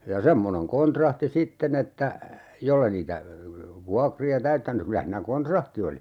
ja semmoinen kontrahti sitten että jos ei niitä vuokria täyttänyt kyllä siinä kontrahti oli